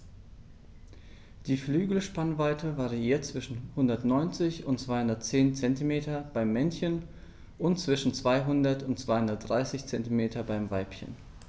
Die Flügelspannweite variiert zwischen 190 und 210 cm beim Männchen und zwischen 200 und 230 cm beim Weibchen.